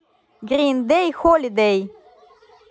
green day holiday